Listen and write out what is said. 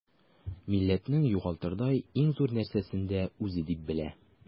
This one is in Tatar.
Милләтнең югалтырдай иң зур нәрсәсен дә үзе дип белә.